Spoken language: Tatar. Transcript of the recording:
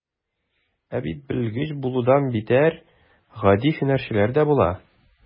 Ә бит белгеч булудан битәр, гади һөнәрчеләр дә була.